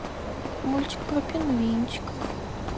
мультик про пингвинчиков